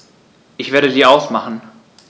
Ich werde sie ausmachen.